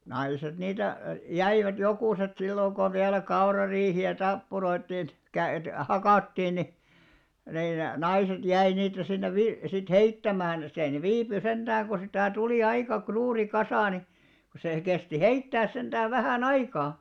naiset niitä jäivät jokuset silloin kun vielä kaurariihiä tappuroitiin - hakattiin niin niin naiset jäi niitä sinne - sitten heittämään siellä ne viipyi sentään kun sitä tuli aika suuri kasa niin kun sehän kesti heittää sentään vähän aikaa